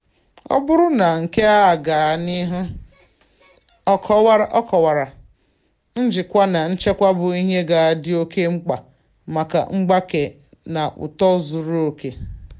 Ọ bụrụ na nke a agaa n'ihu, ọ kọwara, njikwa na nchekwa bụ ihe ga-adị oke mkpa maka mgbake na uto zuru oke: